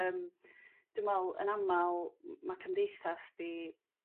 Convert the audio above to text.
Yrm dwi me'wl yn amal ma' cymdeithas 'di